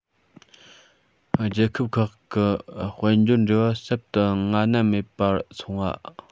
རྒྱལ ཁབ ཁག གི དཔལ འབྱོར འབྲེལ བ ཟབ ཏུ སྔ ན མེད པ སོང ཡོད